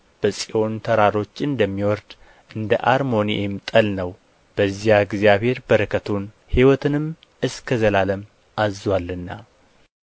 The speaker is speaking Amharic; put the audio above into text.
በጽዮን ተራሮች እንደሚወርድ እንደ አርሞንዔም ጠል ነው በዚያ እግዚአብሔር በረከቱን ሕይወትንም እስከ ዘላለም አዝዞአልና